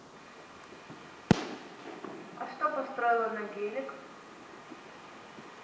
а что построила на гелик